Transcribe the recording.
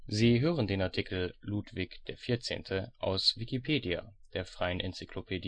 Sie hören den Artikel Ludwig XIV., aus Wikipedia, der freien Enzyklopädie